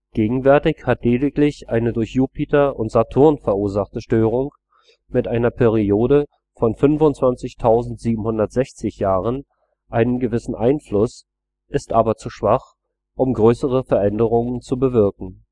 Gegenwärtig hat lediglich eine durch Jupiter und Saturn verursachte Störung mit einer Periode von 25760 Jahren einen gewissen Einfluss, ist aber zu schwach, um größere Veränderungen zu bewirken